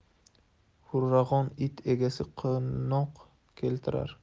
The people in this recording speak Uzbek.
hurag'on it egasiga qo'noq keltirar